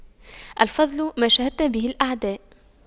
الفضل ما شهدت به الأعداء